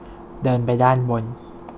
เดินไปด้านบน